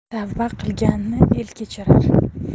tavba qilganni el kechirar